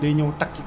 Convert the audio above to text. dafay jafee ray